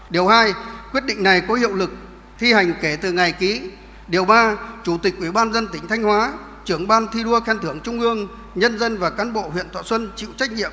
điều hai quyết định này có hiệu lực thi hành kể từ ngày ký điều ba chủ tịch ủy ban dân tỉnh thanh hóa trưởng ban thi đua khen thưởng trung ương nhân dân và cán bộ huyện thọ xuân chịu trách nhiệm